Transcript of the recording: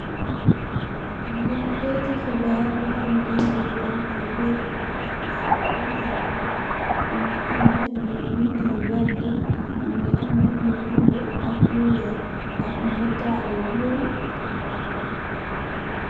Lee keyete hebarr bu am binde yu xonxo yu bory binde ye weex binde ye nuul muge ameh binde yu werte munge ameh lu bulo ak lu weex ak natal yu bory.